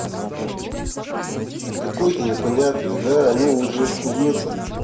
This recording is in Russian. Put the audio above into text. какой ты непонятливый да они уже смеются